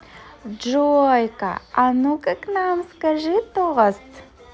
джой ка а ну ка нам скажи тост